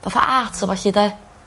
Fatha art a ballu 'de?